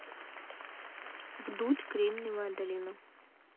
вдудь кремневая долина